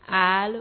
Alo